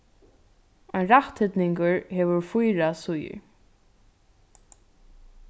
ein rætthyrningur hevur fýra síður